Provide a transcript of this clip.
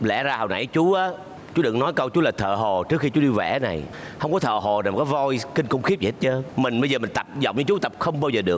lẽ ra hồi nãy chú á chú đừng nói câu chú là thợ hồ trước khi chú đi vẽ này không có thợ hồ nào có vôi kinh khủng khiếp gì hết trơn mình bây giờ mình tập giọng chú tập không bao giờ được